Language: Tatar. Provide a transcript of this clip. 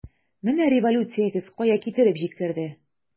Менә революциягез кая китереп җиткерде!